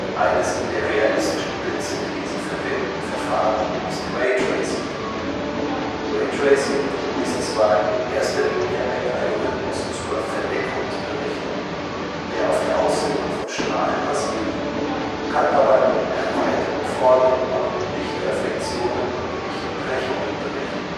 Eines der in der realistischen Bildsynthese verwendeten Verfahren ist Raytracing. Raytracing ist zwar in erster Linie ein Algorithmus zur Verdeckungsberechnung, der auf der Aussendung von Strahlen basiert, kann aber in erweiterten Formen auch Lichtreflexionen und - brechungen berechnen